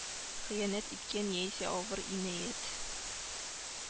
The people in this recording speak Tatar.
Хыянәт иткән яисә авыр инаять